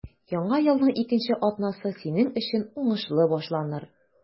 Яңа елның икенче атнасы синең өчен уңышлы башланыр.